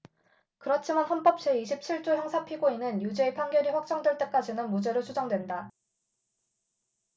그렇지만 헌법 제 이십 칠 조 형사피고인은 유죄의 판결이 확정될 때까지는 무죄로 추정된다